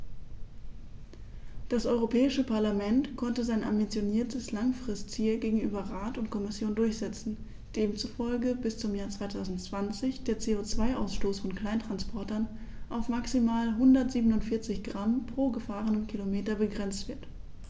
Das Europäische Parlament konnte sein ambitioniertes Langfristziel gegenüber Rat und Kommission durchsetzen, demzufolge bis zum Jahr 2020 der CO2-Ausstoß von Kleinsttransportern auf maximal 147 Gramm pro gefahrenem Kilometer begrenzt wird.